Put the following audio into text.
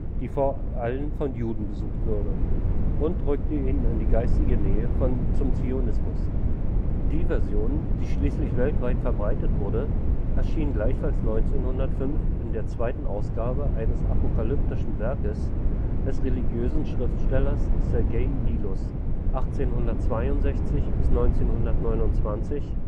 die vor allem von Juden besucht würde, und rückte ihn in die geistige Nähe zum Zionismus. Datei:Sergei nilus.jpg Sergei Nilus Die Version, die schließlich weltweit verbreitet wurde, erschien gleichfalls 1905 in der zweiten Ausgabe eines apokalyptischen Werkes des religiösen Schriftstellers Sergei Nilus (1862 – 1929